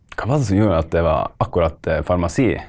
hva var det som gjorde at det var akkurat farmasi?